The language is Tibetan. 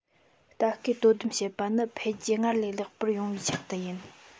ལྟ སྐུལ དོ དམ བྱེད པ ནི འཕེལ རྒྱས སྔར ལས ལེགས པར ཡོང བའི ཆེད དུ ཡིན